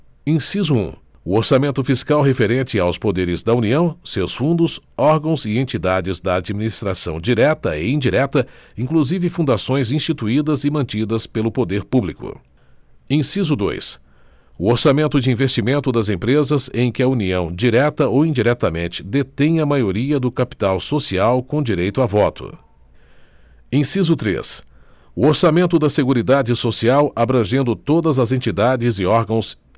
inciso um o orçamento fiscal referente aos poderes da união seus fundos órgãos e entidades da administração direta e indireta inclusive fundações instituídas e mantidas pelo poder público inciso dois o orçamento de investimento das empresas em que a união direta ou indiretamente detenha a maioria do capital social com direito a voto inciso três o orçamento da seguridade social abrangendo todas as entidades e órgãos